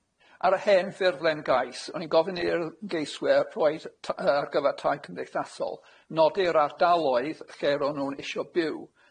Ar y hen ffurflen gais, o'n i'n gofyn i'r ymgeiswyr rhoid t- ar gyfer tai cymdeithasol, nodi'r ardaloedd lle ro'n nw'n isio byw